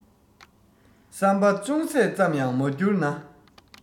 བསམ པ ཅུང ཟད ཙམ ཡང མ འགྱུར ན